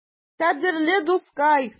Кадерле дускай!